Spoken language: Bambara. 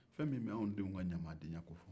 fɛn min bɛ anw denw ka ɲamadenya kofɔ